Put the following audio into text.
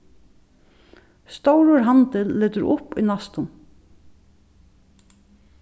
stórur handil letur upp í næstum